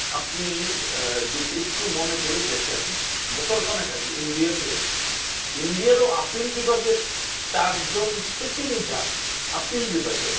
আপনি যদি একটু মনে করে দেখেন বছরখানেক আগে ইন্ডিয়াতে ইন্ডিয়ার ও আপিল বিভাগের চারজন সিটিং জাজ আপিল বিভাগের